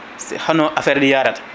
si hono affaire ɗi yarata